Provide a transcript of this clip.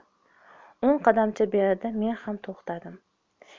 o'n qadamcha berida men ham to'xtadim